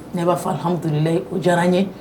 Ne b'ahammudulila o diyara n ye